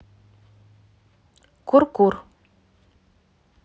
кур кур